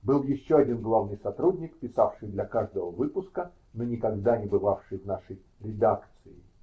Был еще один главный сотрудник, писавший для каждого выпуска, но никогда не бывавший в нашей "редакции".